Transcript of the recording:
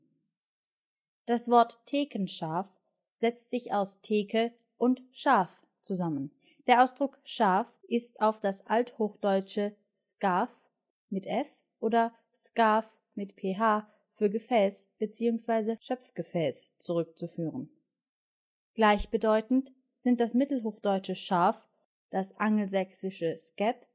Das Wort Thekenschaaf setzt sich aus Theke und „ Schaaf “zusammen. Der Ausdruck Schaaf ist auf das althochdeutsche „ scaf “oder „ scaph “für Gefäß beziehungsweise Schöpfgefäß zurückzuführen. Gleichbedeutend sind das mittelhochdeutsche „ schaf “, das angelsächsische „ scap